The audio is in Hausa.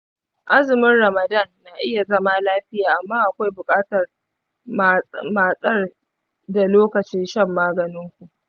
azumin ramadan na iya zama lafiya amma akwai buƙatar matsar da lokacin shan maganin ku.